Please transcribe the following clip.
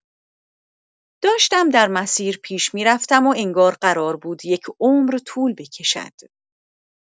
داشتم در مسیر پیش می‌رفتم و انگار قرار بود یک عمر طول بکشد.